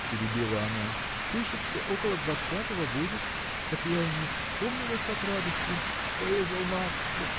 – перебила она, – пишет, что около двадцатого будет так я и не вспомнилась от радости. – Слышал, матушка